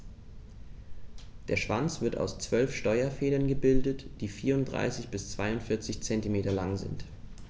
Der Schwanz wird aus 12 Steuerfedern gebildet, die 34 bis 42 cm lang sind.